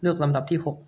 เลือกลำดับที่หก